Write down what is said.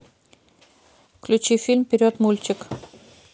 включи фильм вперед мультик